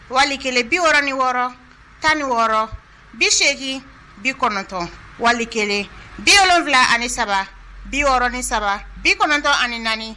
Wali kelen biɔrɔn ni wɔɔrɔ tan ni wɔɔrɔ bi8egin bi kɔnɔntɔn wali kelen biɔrɔnwula ani saba biɔrɔn ni saba bi kɔnɔntɔn ani naani